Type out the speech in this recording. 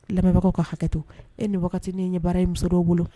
Lamɛnbagaw ka hakɛto, e ni wagatinin in ye baara ye muso dɔw bolo